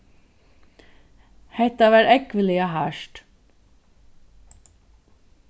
hetta var ógvuliga hart